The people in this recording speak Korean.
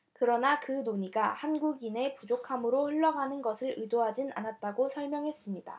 그러나 그 논의가 한국인의 부족함으로 흘러가는 것을 의도하진 않았다고 설명했습니다